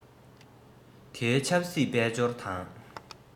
དེའི ཆབ སྲིད དཔལ འབྱོར དང